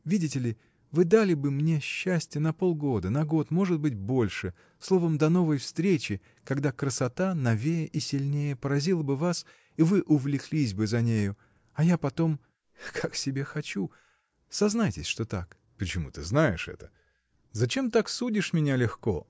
Видите ли, вы дали бы мне счастье на полгода, на год, может быть больше, — словом, до новой встречи, когда красота, новее и сильнее, поразила бы вас и вы увлеклись бы за нею, а я потом — как себе хочу! Сознайтесь, что так? — Почему ты знаешь это? Зачем так судишь меня легко?